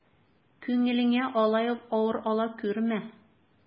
Күңелеңә алай ук авыр ала күрмә.